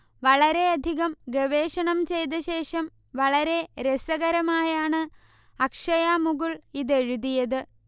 വളരെയധികം ഗവേഷണം ചെയ്തശേഷം, വളരെ രസകരമായാണ് അക്ഷയ മുകുൾ ഇതെഴുതിയത്